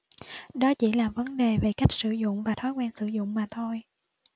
đó chỉ là vấn đề về cách sử dụng và thói quen sử dụng mà thôi